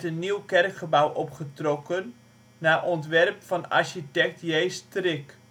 nieuw kerkgebouw opgetrokken naar ontwerp van architect J. Strik